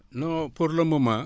non pour le moment